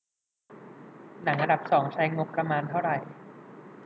หนังอันดับสองใช้งบประมาณเท่าไหร่